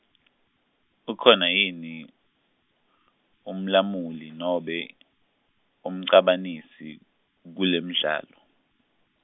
ukhona yini, umlamuli nobe, umcabanisi, kulomdlalo?